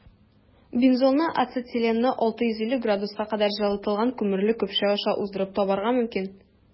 Бензолны ацетиленны 650 С кадәр җылытылган күмерле көпшә аша уздырып табарга мөмкин.